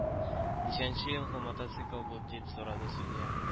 Ничәнче елгы мотоцикл бу? – дип сорады судья.